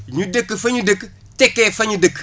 ñu dëkk fa ñu dëkk tekkee fa ñu dëkk